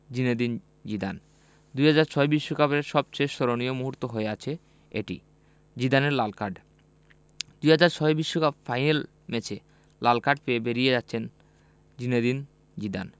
Zinedine Zidane ২০০৬ বিশ্বকাপের সবচেয়ে স্মরণীয় মুহূর্ত হয়ে আছে এটি জিদানের লাল কার্ড ২০০৬ বিশ্বকাপের ফাইনাল ম্যাচে লাল কার্ড পেয়ে বেরিয়ে যাচ্ছেন জিনেদিন জিদান